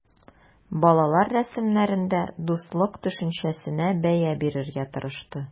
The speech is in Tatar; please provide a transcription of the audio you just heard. Балалар рәсемнәрендә дуслык төшенчәсенә бәя бирергә тырышты.